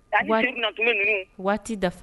Waati waati dafa